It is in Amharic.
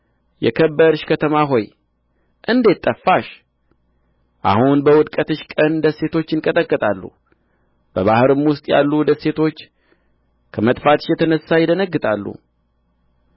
የከበርሽ ከተማ ሆይ እንዴት ጠፋሽ አሁን በውድቀትሽ ቀን ደሴቶች ይንቀጠቀጣሉ በባሕርም ውስጥ ያለ ደሴቶች ከመጥፋትሽ የተነሣ ይደነግጣሉ